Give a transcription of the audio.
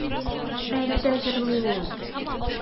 Әле дә җырлый ул.